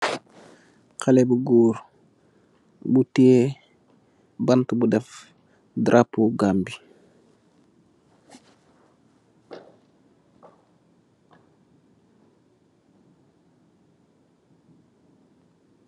Haleh bu goor bu teyeh bante bu deff darapu Gambi.